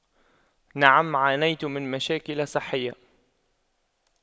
نعم عانيت من مشاكل صحية